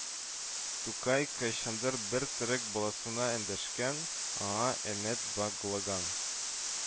Тукай кайчандыр бер төрек баласына эндәшкән, аңа өмет багълаган